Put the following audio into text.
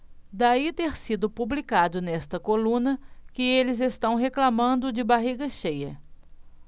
daí ter sido publicado nesta coluna que eles reclamando de barriga cheia